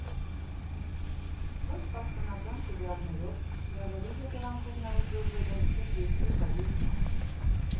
Ոչ պաշտոնական տվյալներով հեղեղի հետևանքով նաև զոհվել է մինչև երկու հարյուր մարդ։